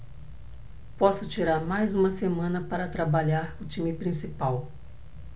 posso tirar mais uma semana para trabalhar o time principal